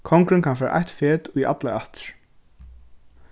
kongurin kann fara eitt fet í allar ættir